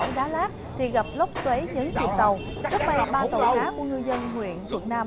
đá lát thì gặp lốc xoáy nhấn chìm tàu rất may ba tàu cá của ngư dân huyện thuận nam